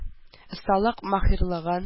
Осталык-маһирлыгын